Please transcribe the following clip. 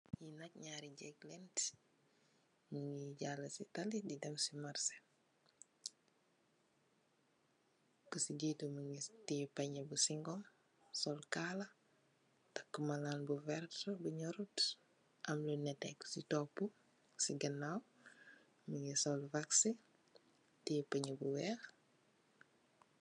Nyi nak nyarri jeek leen. Nyungi jaluh ci tali di dem marche. Ku ci jeetu mungi teyeh panye bu sing ngum, sul kaala taka malan bu werta bu nyurut am lu neteh. Ku ci topuh ci ganaw mungi sul vax ci, teyeh panye bu weex.